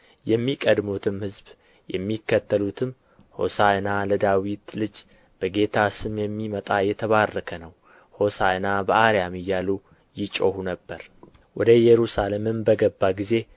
የሚቀድሙትም ሕዝብ የሚከተሉትም ሆሣዕና ለዳዊት ልጅ በጌታ ስም የሚመጣ የተባረከ ነው ሆሣዕና በአርያም እያሉ ይጮኹ ነበር ወደ ኢየሩሳሌምም በገባ ጊዜ